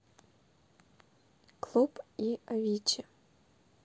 клуб и avicii